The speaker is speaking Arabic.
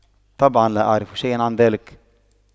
طبعا لا اعرف شيئا عن ذلك